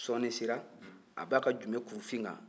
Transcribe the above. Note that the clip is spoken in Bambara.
sɔɔnin sera a b'a ka jubekurufin kan